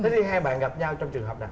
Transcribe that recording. thế thì hai bạn gặp nhau trong trường hợp nào